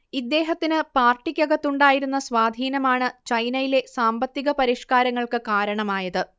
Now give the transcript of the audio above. ഇദ്ദേഹത്തിന് പാർട്ടിക്കകത്തുണ്ടായിരുന്ന സ്വാധീനമാണ്ചൈനയിലെ സാമ്പത്തിക പരിഷ്കാരങ്ങൾക്ക് കാരണമായത്